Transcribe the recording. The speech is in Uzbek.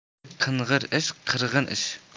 qing'ir ish qirg'in ish